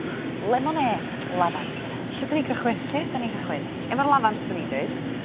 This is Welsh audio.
...lemonêd lafant. Lle 'dyn ni chychwyn? Lle 'dyn ni'n cychwyn? Efo'r lafant swn i'n deud.